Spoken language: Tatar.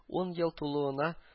Ун ел тулуына